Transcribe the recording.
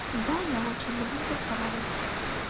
да я очень люблю разговаривать